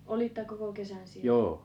olitte koko kesän siellä